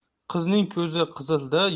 qizning ko'zi qizilda